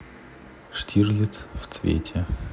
штирлиц в цвете